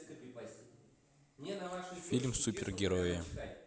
фильм супергерои